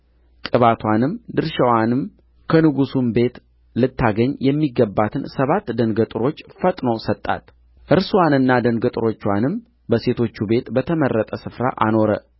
ቅባትዋንም ድርሻዋንም ከንጉሡም ቤት ልታገኝ የሚገባትን ሰባት ደንገጥሮች ፈጥኖ ሰጣት እርስዋንና ደንገጥሮችዋንም በሴቶች ቤት በተመረጠ ስፍራ አኖረ